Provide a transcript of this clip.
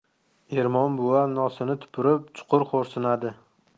ermon buva nosini tupurib chuqur xo'rsinadi